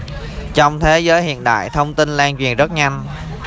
trong thế giới hiện đại thông tin lan truyền rất nhanh